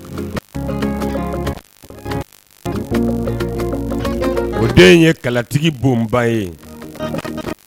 o den in ye kalatigi bonba ye